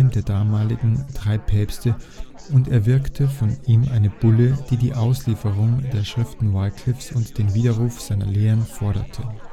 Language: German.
der damaligen drei Päpste, und erwirkte von ihm eine Bulle, die die Auslieferung der Schriften Wyclifs und den Widerruf seiner Lehren forderte